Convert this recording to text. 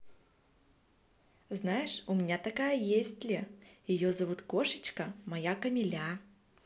знаешь у меня такая есть ли ее зовут кошечка моя камиля